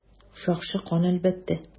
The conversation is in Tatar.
Шакшы кан, әлбәттә.